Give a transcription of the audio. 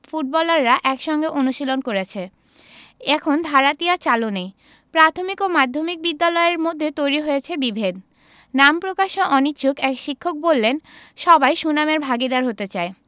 ফুটবলাররা একসঙ্গে অনুশীলন করেছে এখন ধারাটি আর চালু নেই প্রাথমিক ও মাধ্যমিক বিদ্যালয়ের মধ্যে তৈরি হয়েছে বিভেদ নাম প্রকাশে অনিচ্ছুক এক শিক্ষক বললেন সবাই সুনামের ভাগীদার হতে চায়